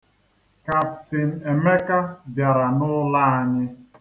Kaptịn Emeka bịara n'ụlọ anyị